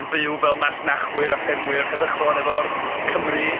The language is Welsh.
Yn byw fel masnachwyr a ffermwyr heddychlon efo'r Cymry.